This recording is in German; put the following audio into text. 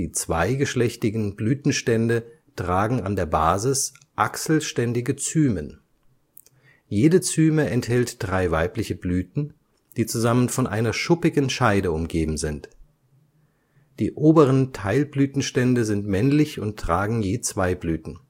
zweigeschlechtigen Blütenstände tragen an der Basis achselständige Zymen. Jede Zyme enthält drei weibliche Blüten, die zusammen von einer schuppigen Scheide umgeben sind. Die oberen Teilblütenstände sind männlich und tragen je zwei Blüten